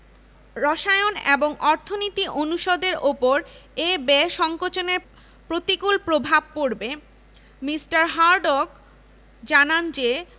রসায়ন এবং অর্থনীতি অনুষদের ওপর এ ব্যয় সংকোচনের প্রতিকূল প্রভাব পড়বে মি. হার্টগ জানান যে